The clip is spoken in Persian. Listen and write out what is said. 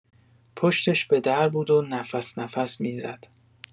پشتش به در بود و نفس‌نفس می‌زد.